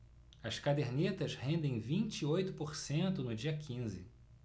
as cadernetas rendem vinte e oito por cento no dia quinze